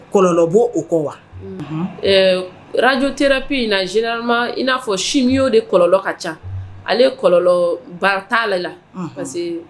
Kɔlɔlɔbɔ o kɔ wa, un,ɛ radio thérapie in na généralement in n'a fɔ chimio de kɔlɔlɔ ka ca, ale kɔlɔba t'ale la parce que